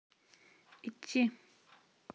идти